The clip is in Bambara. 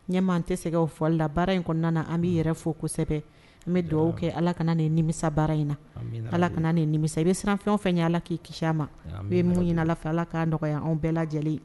Ɲɛma tɛ se fɔli la baara in kɔnɔna na an bɛ yɛrɛ fɔ kosɛbɛ an bɛ dugawu kɛ ala kana nin nimisa baara in na ala kana nin ninmisa i bɛ siran fɛnfɛn fɛn ye ala k'i kiya ma n bɛ mun ɲini fɛ ala ka nɔgɔya anw bɛɛ lajɛlen ye